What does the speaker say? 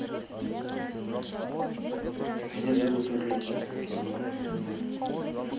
меня зовут арлекино кино